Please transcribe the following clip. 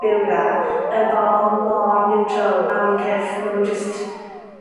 byw gyda, yn bobol mor niwtral am 'u cyrff. Ma' nw jyst,